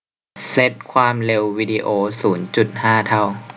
เซ็ตความเร็ววีดีโอศูนย์จุดห้าเท่า